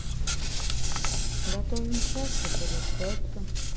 готовим счастье по рецепту